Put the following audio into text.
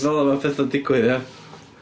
Fela mae pethau'n digwydd, ia.